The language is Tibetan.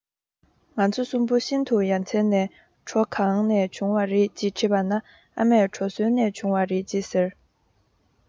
ང ཚོ གསུམ པོ ཤིན ཏུ ཡ མཚན ནས གྲོ གང ནས བྱུང བ རེད ཅེས དྲིས པ ན ཨ མས གྲོ སོན ནས བྱུང བ རེད ཅེས ཟེར